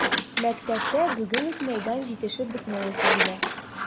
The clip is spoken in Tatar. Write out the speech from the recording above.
Мәктәптә бүген үк мәйдан җитешеп бетмәве сизелә.